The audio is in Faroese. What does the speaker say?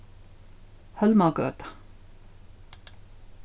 hólmagøta